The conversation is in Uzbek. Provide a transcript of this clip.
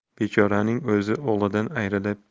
bechoraning o'zi o'g'lidan ayrilib